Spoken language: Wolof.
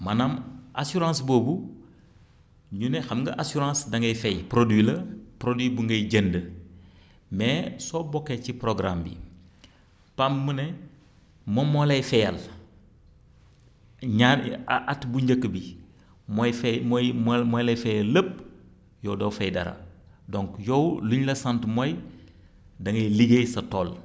maanaam assurance boobu ñu ne xam nga assurance da ngay fay produit la produit bi ngay jënd mais soo bokkee ci programme bi PAM mu ne moom moo lay fayal ñaar a at bu njëkk bi mooy fay mooy mooy moo lay fayal lépp yow doo fay dara donc yow li ñu la sant mooy da ngay liggéey sa tool